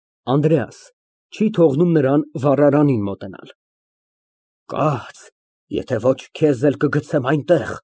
ԱՆԴՐԵԱՍ ֊ (Չի թողնում նրան վառարանին մոտենալ) Կաց, եթե ոչ քեզ էլ կգցեմ այնտեղ։